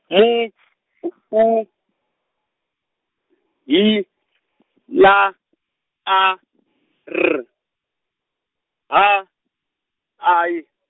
M U H L A R H A Y.